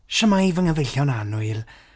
Shwmae fy nghyfellion annwyl.